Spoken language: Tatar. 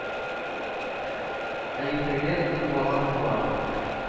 Ә иртәгә ир бала туар